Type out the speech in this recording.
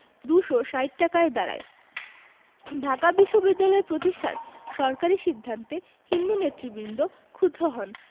২৬০ টাকায় দাঁড়ায় ঢাকা বিশ্ববিদ্যালয় প্রতিষ্ঠার সরকারি সিদ্ধান্তে হিন্দু নেতৃবৃন্দ ক্ষুব্ধ হন